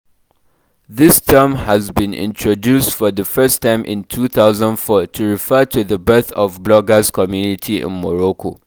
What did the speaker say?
This term has been introduced for the first time in 2004 to refer to the birth of bloggers community in Morocco.